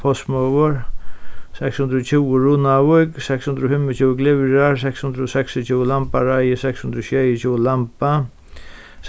postsmogur seks hundrað og tjúgu runavík seks hundrað og fimmogtjúgu glyvrar seks hundrað og seksogtjúgu lambareiði seks hundrað og sjeyogtjúgu lamba